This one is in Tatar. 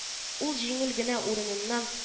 Ул җиңел генә урыныннан